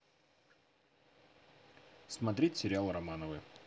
смотреть сериал романовы